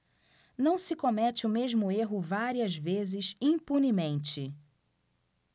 não se comete o mesmo erro várias vezes impunemente